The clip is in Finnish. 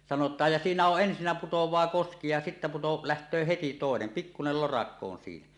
sanotaan ja siinä on ensinnä putoaa koski ja sitten - lähtee heti toinen pikkuinen lorakko on siinä